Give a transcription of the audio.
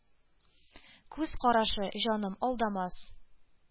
Күз карашы, җаным, алдамас.